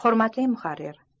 hurmatli muharrir